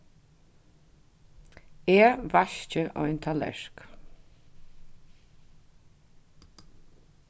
eg vaski ein tallerk